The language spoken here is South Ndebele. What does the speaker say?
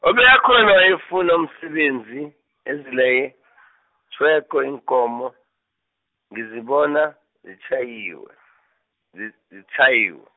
obekakhona ekufuna umsebenzi, ezilayitjhiweko iinkomo, ngizibona, zitjhayiwe , zi- zitshayiwe.